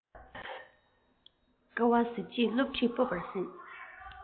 དཀའ བ གཟི བརྗིད སློབ ཁྲིད སྤོབས པར སེམས